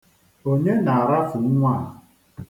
Onye na-arafu nnwa a?